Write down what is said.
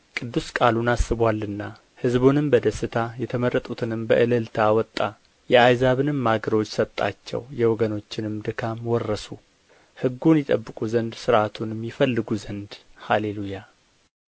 ቅዱስ ቃሉን አስቦአልና ሕዝቡንም በደስታ የተመረጡትንም በእልልታ አወጣ የአሕዛብንም አገሮች ሰጣቸው የወገኖችንም ድካም ወረሱ ሕጉን ይጠብቁ ዘንድ ሥርዓቱንም ይፈልጉ ዘንድ ሃሌ ሉያ